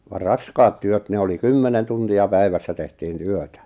vaan raskaat työt ne oli kymmenen tuntia päivässä tehtiin työtä